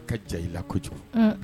A ka ja ila ko kojugu